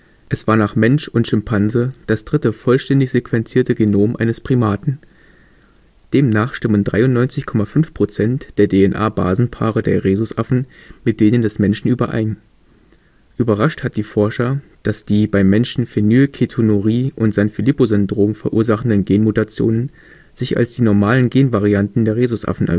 nach Mensch und Schimpanse das dritte vollständig sequenzierte Genom eines Primaten. Demnach stimmen 93,5 % der DNA-Basenpaare der Rhesusaffen mit denen des Menschen überein. Überrascht hat die Forscher, dass die beim Menschen Phenylketonurie und Sanfilippo-Syndrom verursachenden Genmutationen sich als die normalen Genvarianten der Rhesusaffen erwiesen